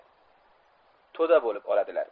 to'da bo'lib oladilar